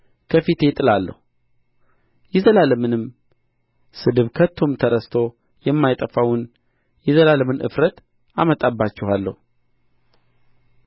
ከፊቴ እጥላለሁ የዘላለምንም ስድብ ከቶም ተረስቶ የማይጠፋውን የዘላለምን እፍረት አመጣባችኋለሁ